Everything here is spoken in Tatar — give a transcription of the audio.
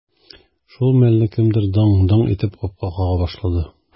Шул мәлне кемдер даң-доң итеп капка кага башлады.